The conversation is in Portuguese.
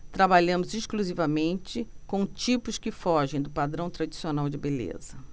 trabalhamos exclusivamente com tipos que fogem do padrão tradicional de beleza